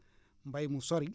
mbay mu sori